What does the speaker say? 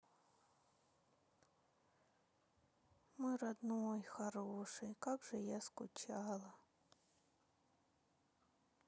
мой родной хороший как же я скучала